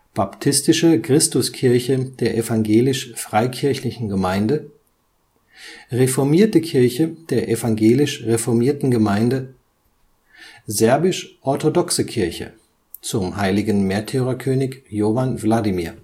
Baptistische Christuskirche der Evangelisch-Freikirchlichen Gemeinde reformierte Kirche der Evangelisch-Reformierten Gemeinde Serbisch-orthodoxe Kirche zum Hl. Märtyrerkönig Jovan Vladimir